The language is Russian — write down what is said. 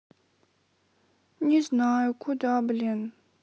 не знаю куда блин